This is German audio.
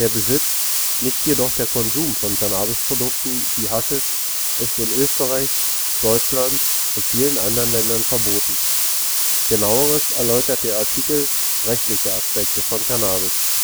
Besitz, nicht jedoch der Konsum von Cannabisprodukten wie Haschisch ist in Österreich, Deutschland und vielen anderen Ländern verboten. Genaueres erläutert der Artikel Rechtliche Aspekte von Cannabis